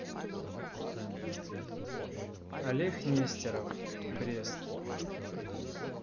олег нестеров брест